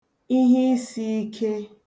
ihe isīike